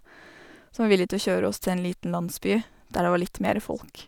Som var villig til å kjøre oss til en liten landsby der det var litt mere folk.